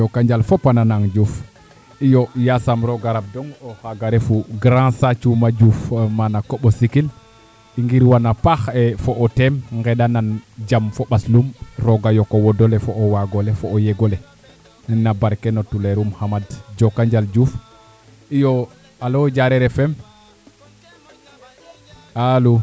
jokonjal fop a nanang Diouf iyo yaasam roog a rabdong o xaaga refu grand SA Thiouma Diouf mana Koɓosikim ngir wana paax fo o teem nqeɗanan jam fo ɓaslum roog a yoq o wod ole fo o waag ole fo o yeg ole no barke no tuleeerum Khamad njokonjal Diouf iyo alo Diarer FM alo